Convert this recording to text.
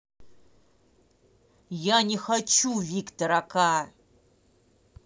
я не хочу виктора ка